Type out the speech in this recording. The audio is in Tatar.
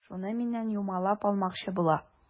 Шуны миннән юмалап алмакчы була.